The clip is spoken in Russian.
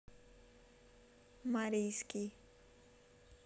марийский